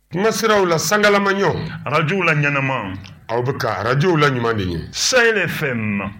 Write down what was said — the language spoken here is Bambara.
Kuma siraw la sangalamaɲɔ radios la ɲɛnama, aw bɛka radios la ɲuman Sahe IFM